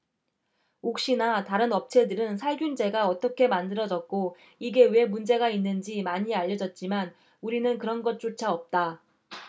옥시나 다른 업체들은 살균제가 어떻게 만들어졌고 이게 왜 문제가 있는지 많이 알려졌지만 우리는 그런 것조차 없다